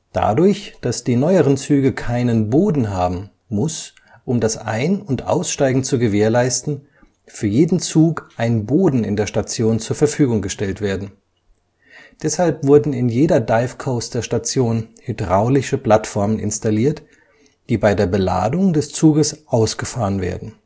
Dadurch, dass die neueren Züge keinen Boden haben, muss, um das Ein - und Aussteigen zu gewährleisten, für jeden Zug ein Boden in der Station zu Verfügung gestellt werden. Deshalb wurden in jeder Dive-Coaster-Station hydraulische Plattformen installiert, die bei der Beladung des Zuges ausgefahren werden